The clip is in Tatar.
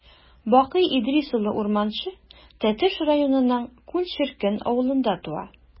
Бакый Идрис улы Урманче Тәтеш районының Күл черкен авылында туа.